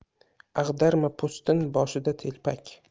ag'darma po'stin boshida telpak